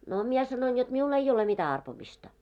no minä sanoin jotta minulla ei ole mitä arpomista